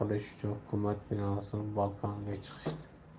qilish uchun hukumat binosi balkoniga chiqdi